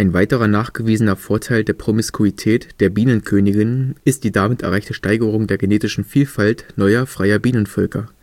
weiterer nachgewiesener Vorteil der Promiskuität der Bienenkönigin ist die damit erreichte Steigerung der genetischen Vielfalt neuer freier Bienenvölker